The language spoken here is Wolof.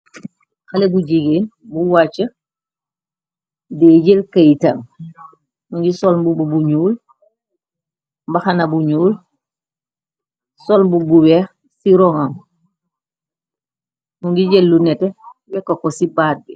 Xale bu jigain bu wacha dii jel kayitam, mungi sol mbubu bu njull, mbaxana bu njull, sol mbubu bu weex ci ron nam, mungi jel lu nehteh wehkka ko ci baat bi.